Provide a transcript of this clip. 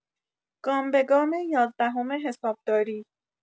گام‌به‌گام یازدهم حسابداری